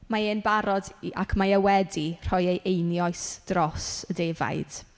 Mae e'n barod i ac mae e wedi rhoi ei einioes dros y defaid.